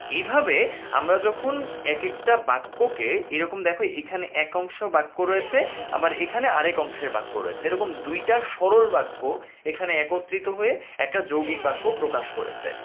এইভাবে আমরা যখন এক একটা বাক্য কে এরকম দেখো এখানে একাংশ বাক্য রয়েছে এখানে এক অংশ বাক্য রয়েছে দুইটা সরল বাক্য এখানে একত্রিত হয়ে একটা যৌগিক বাক্য প্রকাশ করেছে